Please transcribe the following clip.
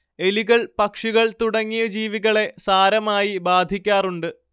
എലികൾപക്ഷികൾ തുടങ്ങിയ ജീവികളെ സാരമായി ബാധിക്കാറുണ്ട്